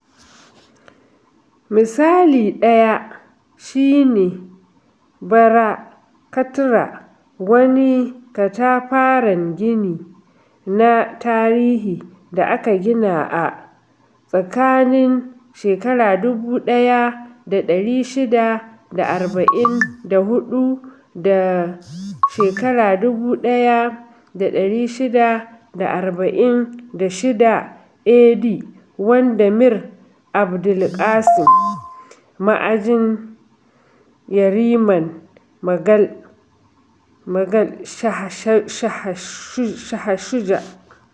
Misali ɗaya shi ne Bara Katra, wani katafaren gini na tarihi da aka gina a tsakanin 1644 da 1646 AD wanda Mir Abul ƙasim, ma'ajin (babban ma'ajin haraji) yariman Mughal Shah Shuja.